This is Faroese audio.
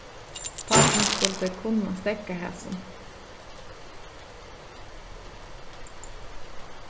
pápin skuldi kunnað steðgað hasum